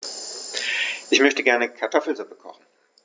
Ich möchte gerne Kartoffelsuppe kochen.